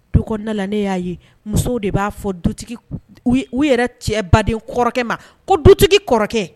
Du kɔnɔna ne y'a ye musow de b'a fɔ du u yɛrɛ cɛ baden kɔrɔkɛ ma ko dutigi kɔrɔkɛ